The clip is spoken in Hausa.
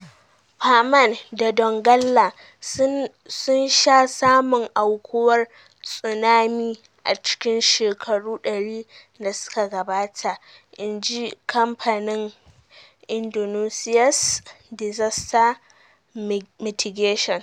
Paman da Donggala sun sha samun aukuwar tsunamis a cikin shekaru 100 da suka gabata, in ji kamfanin Indonesia's Disaster Mitigation.